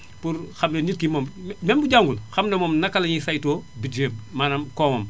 pour xam ne nit ki moom même bu jàngul xam na moom naka lañuy saytoo budget wam maanaam koomam